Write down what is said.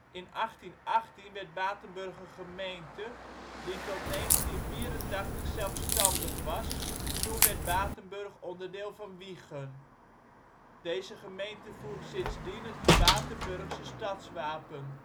In 1818 werd Batenburg een gemeente, die tot 1984 zelfstandig was: toen werd Batenburg onderdeel van Wijchen. Deze gemeente voert sindsdien het Batenburgse stadswapen